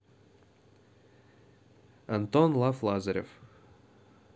антон лав лазарев